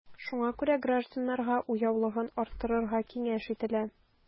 Шуңа күрә гражданнарга уяулыгын арттырыга киңәш ителә.